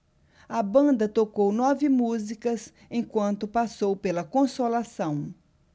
a banda tocou nove músicas enquanto passou pela consolação